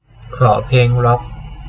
ขอเพลงร็อค